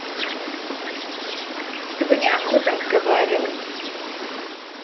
с тобой не охота разговаривать